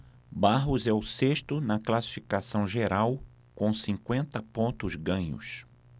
barros é o sexto na classificação geral com cinquenta pontos ganhos